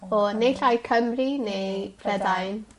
o naill ai Cymru neu Prydain.